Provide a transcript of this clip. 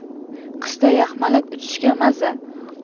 qishda yaxmalak uchishga maza